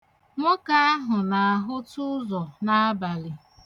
Nwoke ahụ na-ahụtụ ụzọ n'abalị.